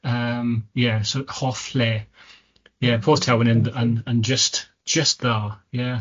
yym ie so hoff le, ie Porth Tewin yn yn yn jyst jyst dda ie.